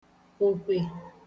òkwè